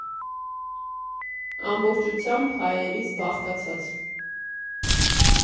Ամբողջությամբ հայերից բաղկացած։